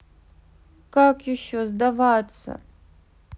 как еще сдаваться